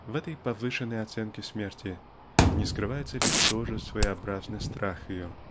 В этой повышенной оценке смерти не скрывается ли тоже своеобразный страх ее?